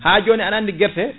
ha joni aɗa andi guerte